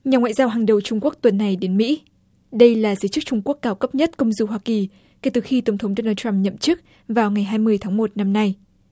nhà ngoại giao hàng đầu trung quốc tuần này đến mỹ đây là giới chức trung quốc cao cấp nhất công du hoa kỳ kể từ khi tổng thống đô na trăm nhậm chức vào ngày hai mươi tháng một năm nay